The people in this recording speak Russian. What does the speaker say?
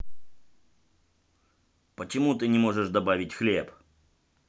почему ты не можешь добавить хлеб